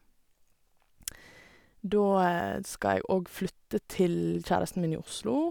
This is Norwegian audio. Da skal jeg òg flytte til kjæresten min i Oslo.